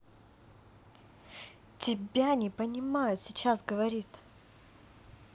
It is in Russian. тебя не понимают сейчас говорит